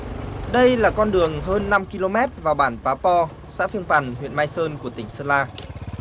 đây là con đường hơn năm ki lô mét và bản pá po xã phiêng pằn huyện mai sơn của tỉnh sơn la